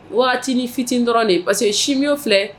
Waati ni fit dɔrɔn de parce que si mi filɛ